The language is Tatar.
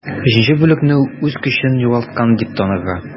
3 бүлекне үз көчен югалткан дип танырга.